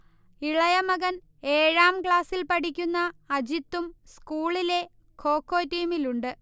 ഇളയമകൻ ഏഴാം ക്ലാസിൽ പഠിക്കുന്ന അജിത്തും സ്കൂളിലെ ഖോഖൊ ടീമിലുണ്ട്